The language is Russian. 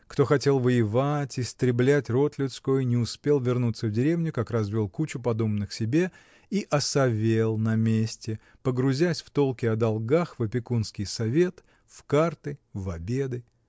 Кто хотел воевать, истреблять род людской, не успел вернуться в деревню, как развел кучу подобных себе и осовел на месте, погрузясь в толки о долгах в опекунский совет, в карты, в обеды.